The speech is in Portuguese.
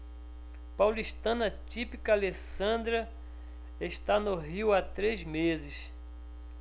paulistana típica alessandra está no rio há três meses